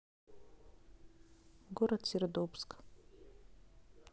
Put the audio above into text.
город сердобск